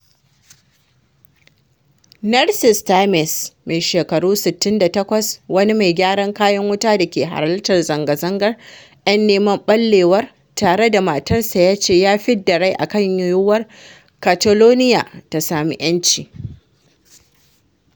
Narcis Termes, mai shekaru 68, wani mai gyaran kayan wuta da ke halartar zanga-zangar ‘yan neman ɓallewar tare da matarsa ya ce ya fidda rai akan yiwuwar Catalonia ta sami ‘yanci.